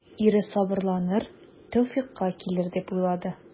Ире сабырланыр, тәүфыйкка килер дип уйлады.